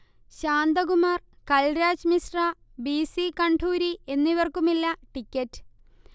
Shantakumar, Kalraj Mishra, B. C. Khanduri എന്നിവർക്കുമില്ല ticket